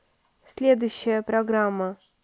следующая программа